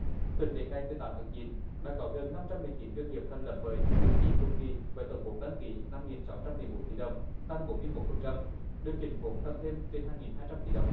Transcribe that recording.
tính đến ngày mười tám tháng chín đã có gần năm trăm mười chín doanh nghiệp thành lập mới xấp xỉ cùng kỳ với tổng vốn đăng ký năm nghìn sáu trăm mười bốn tỷ đồng tăng bốn mươi mốt phần trăm điều chỉnh vốn tăng thêm trên hai nghìn hai trăm tỷ đồng